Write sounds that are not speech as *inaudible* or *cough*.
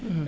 *hesitation*